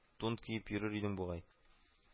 Тун киеп йөрер идең бугай